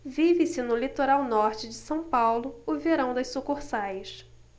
vive-se no litoral norte de são paulo o verão das sucursais